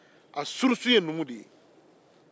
a surusi ye numu de ye